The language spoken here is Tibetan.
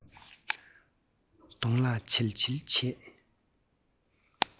གདོང ལ བྱིལ བྱིལ བྱེད